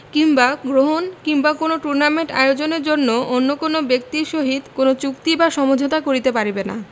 কিংবা গ্রহণ কিংবা কোন টুর্নামেন্ট আয়োজনের জন্য অন্য কোন ব্যক্তির সহিত কোনো চুক্তি বা সমঝোতা করিতে পারিবেন না